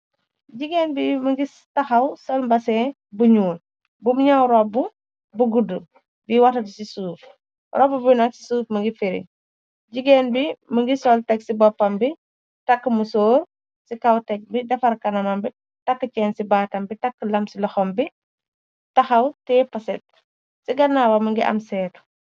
Gigeen bi mi ngi taxaw sol mbazin bu njul, bum njaw rohbu bu gudd bi watat ci suuf, rohbu bi nak ci suuf mi ngi free, jigeen bi mi ngi sol teg ci bopam bi, takue musorr ci kaw teg bi, defar kanamam bi, takue chaine ci baatam bi, takue lam ci loxom bi, taxaw tiyeh pohset, ci ganawam mi ngi am sehtu.